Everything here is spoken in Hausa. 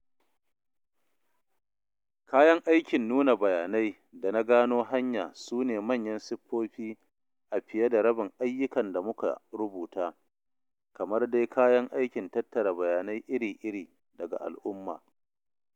Kayan aikin nuna bayanai da na gano hanya sune manyan siffofi a fiye da rabin ayyukan da muka rubuta, kamar dai kayan aikin tattara bayanai iri-iri daga al’umma.